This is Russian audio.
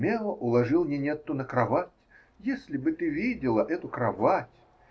Мео уложил Нинетту на кровать -- если бы ты видела эту кровать!